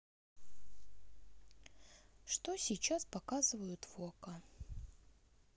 что сейчас показывают в окко